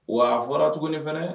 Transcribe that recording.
Wa fɔra tuguni ne fɛ